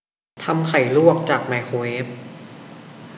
ทำไข่ลวกจากไมโครเวฟ